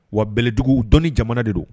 Wa bɛlɛdugu dɔnnii jamana de don